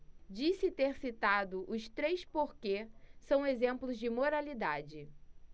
disse ter citado os três porque são exemplos de moralidade